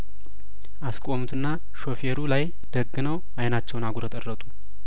አስቆሙትና ሾፌሩ ላይ ደግነው አይናቸውን አጉረጠረጡ